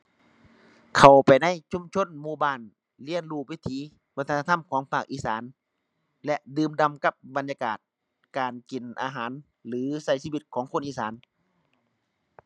เข้าไปในชุมชนหมู่บ้าน เรียนรู้วิถีวัฒนธรรมของภาคอีสาน และดื่มด่ำกับบรรยากาศการกินอาหารหรือใช้ชีวิตของคนอีสาน